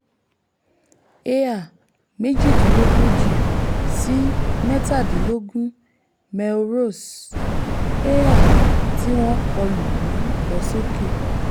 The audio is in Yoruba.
Ayr 38 - 17 Melrose: Ayr tíwọn kòlù rí lọ sóke